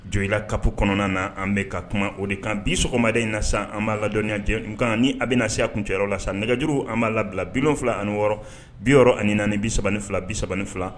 Jola kap kɔnɔna na an bɛ ka kuma o de kan bi sɔgɔmada in na san an b'a ladɔnniya nka kan ni a bɛna na seya kun cɛyɔrɔ la san nɛgɛjuru an b' labila bi fila ani wɔɔrɔ bi ani naani bi3 fila bi3 fila